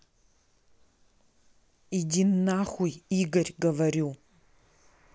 иди нахуй игорь говорю